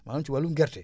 maanaam si wàllum gerte